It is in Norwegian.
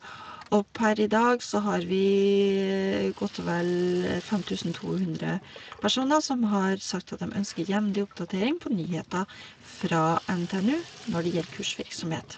Og per i dag så har vi godt og vel fem tusen to hundre personer som har sagt at dem ønsker jevnlig oppdatering på nyheter fra NTNU når det gjelder kursvirksomhet.